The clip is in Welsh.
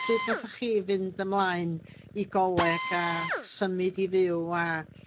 pryd nathoch chi fynd ymlaen i goleg a symud i fyw a